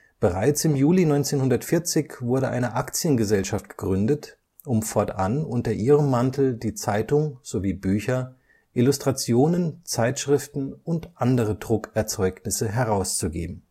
Bereits im Juli 1940 wurde eine Aktiengesellschaft gegründet, um fortan unter ihrem Mantel die Zeitung sowie Bücher, Illustrationen, Zeitschriften und andere Druckerzeugnisse herauszugeben